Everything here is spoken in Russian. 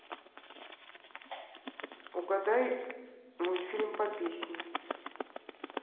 угадай мультфильм по песне